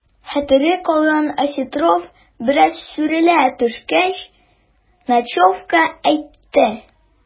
Хәтере калган Осетров, бераз сүрелә төшкәч, Нечаевка әйтте: